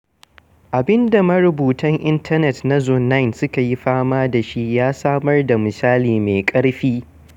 Abin da marubutan intanet na Zone9 suka yi fama da shi ya samar da misali mai ƙarfi.